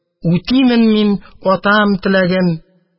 Үтимен мин атам теләген.